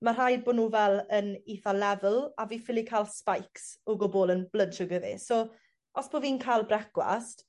ma' rhaid bo' n'w fel yn itha lefel a fi ffili ca'l spikes o gwbwl yn blood sugar fi so os bo' fi'n ca'l brecwast